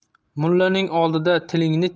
mullaning oldida tilingni